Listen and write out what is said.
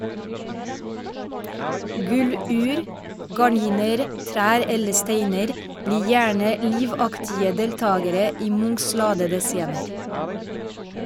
Gulvur, gardiner, trær eller steiner blir gjerne livaktige deltagere i Munchs ladede scener.